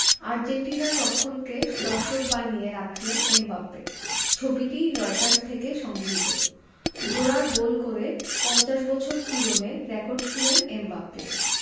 আর্জেন্টিনার রক্ষণকে দর্শক বানিয়ে রাখলেন এমবাপ্পে ছবিটি রয়টার্স থেকে সংগৃহীত জোড়া গোল করে ৫০ বছর পুরনে রেকর্ড ছুঁলেন এমবাপ্পে